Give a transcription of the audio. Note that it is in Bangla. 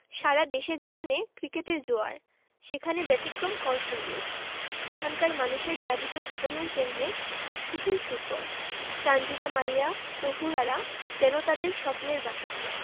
সারা দেশে যেখানে ক্রিকেটের জোয়ার সেখানে ব্যতিক্রম কলসিন্দুর এখানকার মানুষের যাপিত জীবনের কেন্দ্রে শুধুই ফুটবল সানজিদা মারিয়া তহুরারা যেন তাদের স্বপ্নের বাতিঘর